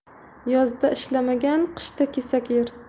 yozda ishlamagan qishda kesak yer